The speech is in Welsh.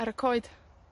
ar y coed.